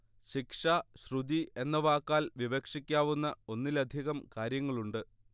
ശിക്ഷ, ശ്രുതി എന്ന വാക്കാൽ വിവക്ഷിക്കാവുന്ന ഒന്നിലധികം കാര്യങ്ങളുണ്ട്